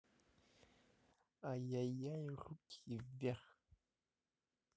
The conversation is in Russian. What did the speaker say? ай я яй руки вверх